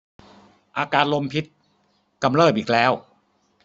อาการลมพิษกำเริบอีกแล้ว